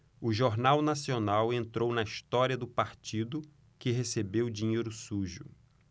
o jornal nacional entrou na história do partido que recebeu dinheiro sujo